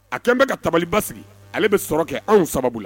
A kɛlen bɛka ka tabaliba sigi ale bɛ sɔrɔ kɛ anw sababu